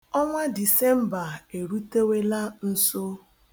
Ọnwa Disemba erutewela nso.